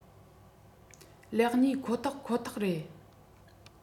ལེགས ཉེས ཁོ ཐག ཁོ ཐག རེད